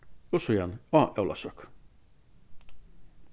og síðani á ólavsøku